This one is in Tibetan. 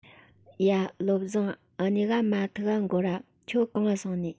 ཡ བློ བཟང འུ གཉིས ཀ མ ཐུག ག འགོར ར ཁྱོད གང ང སོང ང